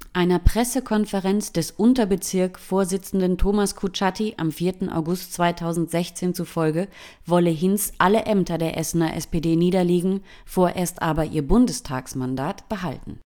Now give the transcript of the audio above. Einer Pressekonferenz des Unterbezirk-Vorsitzenden Thomas Kutschaty am 4. August 2016 zufolge wolle Hinz alle Ämter der Essener SPD niederlegen, vorerst aber ihr Bundestagsmandat behalten